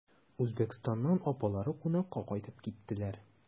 Үзбәкстаннан апалары кунакка кайтып киттеләр.